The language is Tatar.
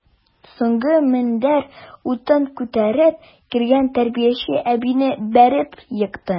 Соңгы мендәр утын күтәреп кергән тәрбияче әбине бәреп екты.